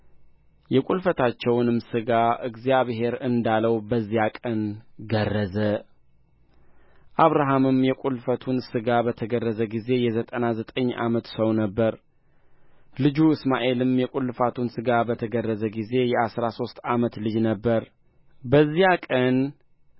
የቍልፈታቸውንም ሥጋ እግዚአብሔር እንዳለው በዚያው ቀን ገረዘ አብርሃምም የቍልፈቱን ሥጋ በተገረዘ ጊዜ የዘጠና ዘጠኝ ዓመት ሰው ነበረ ልጁ እስማኤልም የቍልፈቱን ሥጋ በተገረዘ ጊዜ የአሥራ ሦስት ዓመት ልጅ ነበረ በዚያው ቀን